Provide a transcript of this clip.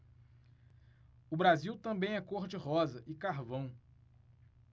o brasil também é cor de rosa e carvão